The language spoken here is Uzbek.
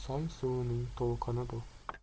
soy suvining to'lqini bu